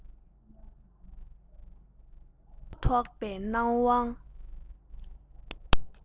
གུ དོག པའི སྣང བ